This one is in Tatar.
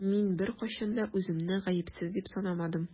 Мин беркайчан да үземне гаепсез дип санамадым.